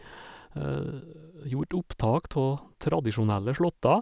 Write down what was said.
Gjort opptak tå tradisjonelle slåtter.